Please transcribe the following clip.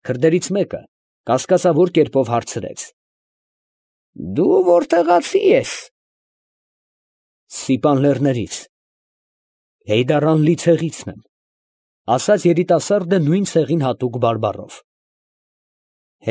Քրդերից մեկը կասկածավոր կերպով հարցրեց. ֊ Դու ո՞րտեղացի ես։ ֊ Սիպան լեռներից, Հեյդարանլի ցեղիցն եմ, ֊ ասաց երիտասարդը նույն ցեղին հատուկ բարբառով։ ֊